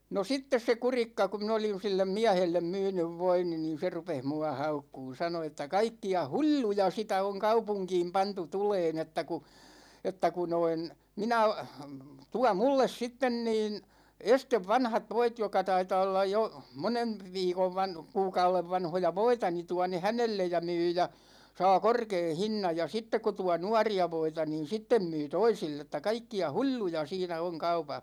no sitten se Kurikka kun minä olin jo sille miehelle myynyt voini niin se rupesi minua haukkumaan sanoi että kaikkia hulluja sitä on kaupunkiin pantu tulemaan että kun että kun noin minä tuo minulle sitten niin ensin vanhat voit jotka taitaa olla jo monen viikon - kuukauden vanhoja voita niin tuo ne hänelle ja myy ja saa korkean hinnan ja sitten kun tuo nuoria voita niin sitten myy toisille että kaikkia hulluja siinä on kaupassa